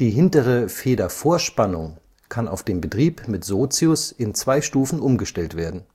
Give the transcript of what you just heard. hintere Federvorspannung kann auf den Betrieb mit Sozius in zwei Stufen umgestellt werden